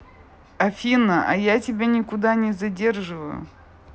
афина а я тебя никуда не задерживаю